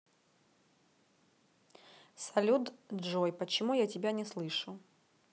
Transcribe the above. салют джой почему я тебя не слышу